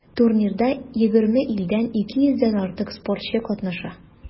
Турнирда 20 илдән 200 дән артык спортчы катнаша.